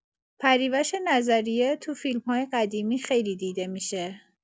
پریوش نظریه تو فیلمای قدیمی خیلی دیده می‌شه.